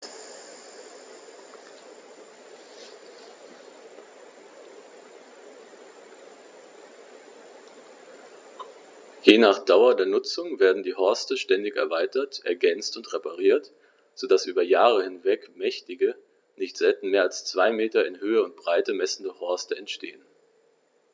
Je nach Dauer der Nutzung werden die Horste ständig erweitert, ergänzt und repariert, so dass über Jahre hinweg mächtige, nicht selten mehr als zwei Meter in Höhe und Breite messende Horste entstehen.